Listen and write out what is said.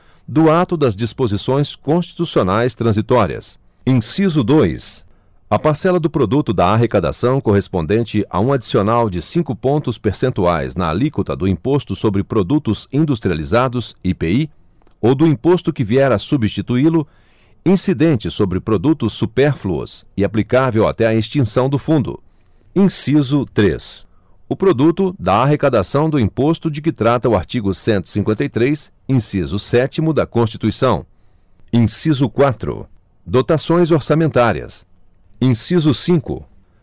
do ato das disposições constitucionais transitórias inciso dois a parcela do produto da arrecadação correspondente a um adicional de cinco pontos percentuais na alíquota do imposto sobre produtos industrializados ipi ou do imposto que vier a substituí lo incidente sobre produtos supérfluos e aplicável até a extinção do fundo inciso três o produto da arrecadação do imposto de que trata o artigo cento e cinquenta e três inciso sétimo da constituição inciso quatro dotações orçamentárias inciso cinco